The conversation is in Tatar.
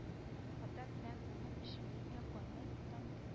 Ата белән улның эчемлеккә каны тамды